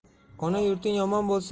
ona yurting omon bo'lsa